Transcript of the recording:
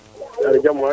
yaare jam waay